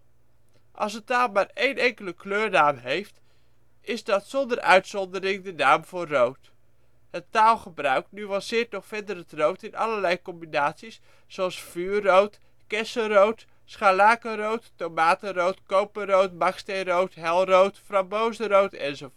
Als een taal maar één enkele kleurnaam heeft, is dat zonder uitzondering de naam voor rood. Het taalgebruik nuanceert nog verder het rood in allerlei combinaties als: vuurrood, kersenrood, scharlakenrood, tomatenrood, koperrood, baksteenrood, helrood, frambozenrood,...